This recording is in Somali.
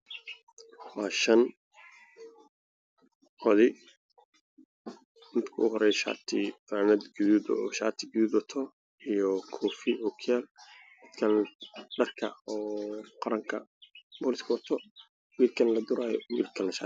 Meeshaan waxaan ka muuqda nin la xiriir rabo oo rafaadsan oo wato shaatis cid ciid ah iyo laba nin oo ninka gacmaha hayso oo xireyso